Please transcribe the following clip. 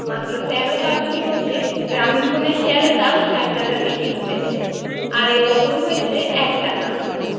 মাত্র ১৩ কার্যদিবসে গ্রামীণফোনের শেয়ারের দাম ৬০ টাকার বেশি কমেছে আর এ পতন হয়েছে একটানা